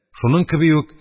Шуның кеби үк,